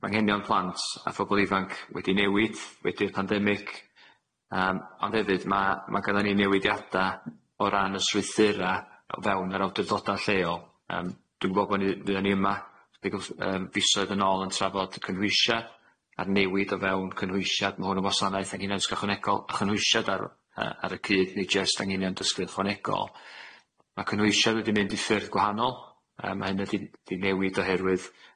plant a phobol ifanc wedi newid wedi'r pandemic yym ond hefyd ma- ma' gynna ni newidiada o ran y swithura o fewn yr awdurdoda lleol yym dwi'n gwbo bo ni fuo ni yma ddigon s- yym fisoedd yn ôl yn trafod y cynhwyshia a'r newid o fewn cynhwyshiad mewn y wasanaeth anghenion dysg ychwanegol a chynhwyshad ar yy ar y cyd nid jyst anghenion dysg ychwanegol ma' cynhwysiad wedi mynd i ffyrdd gwahanol yy ma' hynna di- di newid oherwydd